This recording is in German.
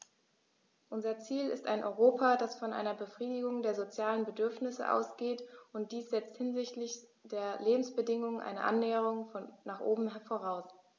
Unser Ziel ist ein Europa, das von einer Befriedigung der sozialen Bedürfnisse ausgeht, und dies setzt hinsichtlich der Lebensbedingungen eine Annäherung nach oben voraus.